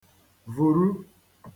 vùru